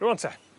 Rŵan 'te.